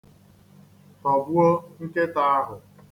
Tọgbuo nkịta ahụ.